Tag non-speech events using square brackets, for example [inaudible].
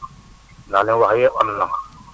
[noise] ndax li mu wax yëpp am na